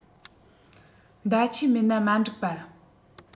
མདའ ཆས མེད ན མ འགྲིག པ